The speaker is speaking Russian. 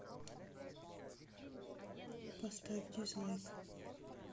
поставь дизлайк